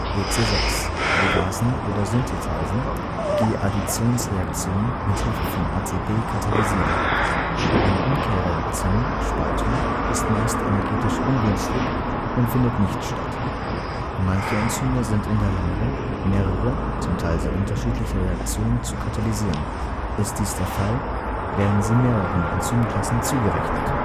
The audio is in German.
EC 6: Ligasen oder Synthetasen, die Additionsreaktionen mithilfe von ATP katalysieren. Eine Umkehrreaktion (Spaltung) ist meist energetisch ungünstig und findet nicht statt. Manche Enzyme sind in der Lage, mehrere, zum Teil sehr unterschiedliche Reaktionen zu katalysieren. Ist dies der Fall, werden sie mehreren Enzymklassen zugerechnet